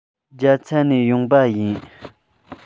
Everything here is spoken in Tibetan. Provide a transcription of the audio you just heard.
རྒྱ ཚ ནས ཡོང བ ཡིན